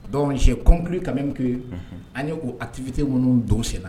Donc j'ai compris ça même que an ye o activite minnu don sen na .